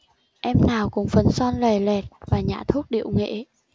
em nào cũng phấn son lòe loẹt và nhả thuốc điệu nghệ